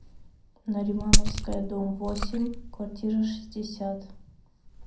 наримановская дом восемь квартира шестьдесят